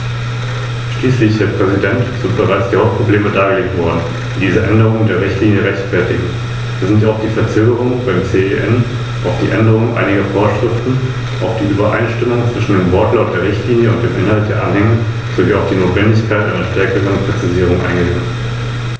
Wenn die Frau Kommissarin das heute nicht machen kann, wäre sie dann bereit, dem Ausschuss schriftlich den Stand der Dinge und den Stand der Verhandlungen zwischen CEN und Wirtschaftskommission zu übermitteln?